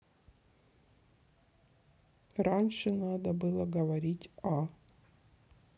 раньше надо было говорить а